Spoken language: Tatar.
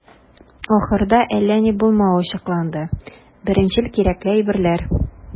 Ахырда, әллә ни булмавы ачыкланды - беренчел кирәкле әйберләр.